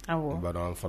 Awɔ